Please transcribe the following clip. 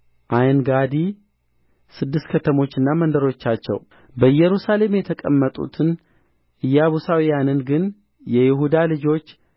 ዓይንጋዲ ስድስት ከተሞችና መንደሮቻቸው በኢየሩሳሌም የተቀመጡትን ኢያቡሳውያንን ግን የይሁዳ ልጆች